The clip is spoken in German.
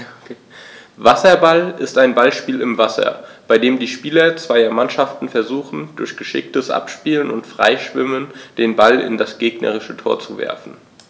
Wasserball ist ein Ballspiel im Wasser, bei dem die Spieler zweier Mannschaften versuchen, durch geschicktes Abspielen und Freischwimmen den Ball in das gegnerische Tor zu werfen.